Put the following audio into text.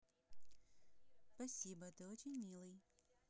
спасибо ты очень милый